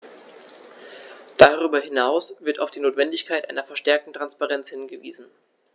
Darüber hinaus wird auf die Notwendigkeit einer verstärkten Transparenz hingewiesen.